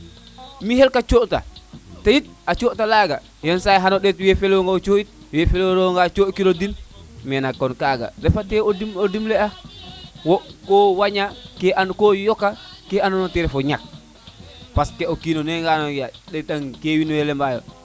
mi xel ko cota te yit a cota laga yenisaay xayo ɗeet we feloŋa o coxit we felero nga cokiro den mais nak kaga refa to o dimle a wo ko waña ko yoka ke ando na te refo ñak parce o kin nengano lem tan ke wine lema yo